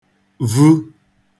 -vu